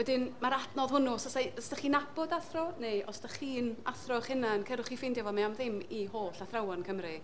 Wedyn, mae'r adnodd hwnnw, os dach chi'n gwybod athro neu os ydych chi'n athro eich hunain, ceirwch chi ffeindio fo, mae am ddim i holl athrawon Cymru.